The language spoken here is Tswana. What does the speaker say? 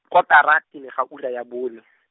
kotara pele ga ura ya bone.